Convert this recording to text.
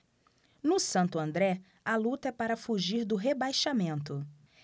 no santo andré a luta é para fugir do rebaixamento